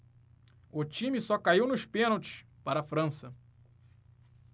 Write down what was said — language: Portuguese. o time só caiu nos pênaltis para a frança